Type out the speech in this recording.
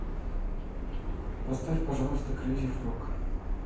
поставь пожалуйста крейзи фрог